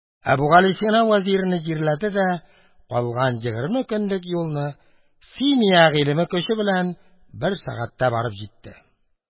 Әбүгалисина вәзирне җирләде дә калган егерме көнлек юлны симия гыйлеме көче белән бер сәгатьтә барып җитте.